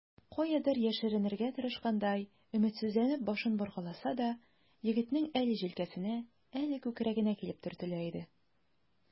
Каядыр яшеренергә тырышкандай, өметсезләнеп башын боргаласа да, егетнең әле җилкәсенә, әле күкрәгенә килеп төртелә иде.